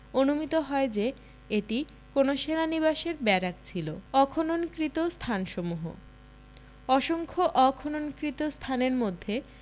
অনুমিত হয় যে এটি কোন সেনা নিবাসের ব্যারাক ছিল অখননকৃত স্থানসমূহ অসংখ্য অখননকৃত স্থানের মধ্যে